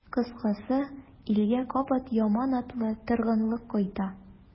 Кыскасы, илгә кабат яманатлы торгынлык кайта.